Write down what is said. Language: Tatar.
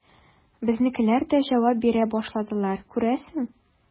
Безнекеләр дә җавап бирә башладылар, күрәсең.